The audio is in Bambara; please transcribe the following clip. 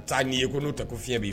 Taa n'i n ye ko n' o tɛ ko fiɲɛ b'i